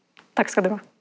takk skal du ha.